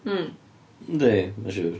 Mm... Yndi, mae'n siŵr.